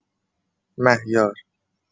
مهیار